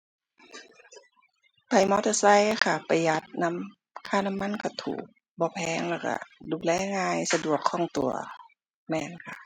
ไปมอเตอร์ไซค์ค่ะ ประหยัดนำ ค่าน้ำมันก็ถูก บ่แพง แล้วก็ดูแลง่าย สะดวก คล่องตัว แม่นค่ะ